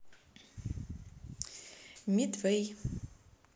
midway